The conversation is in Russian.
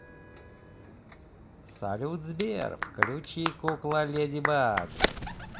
салют сбер включи кукла леди баг